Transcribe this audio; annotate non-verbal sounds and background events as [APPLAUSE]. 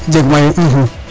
jeg mayu [HESITATION] [HESITATION]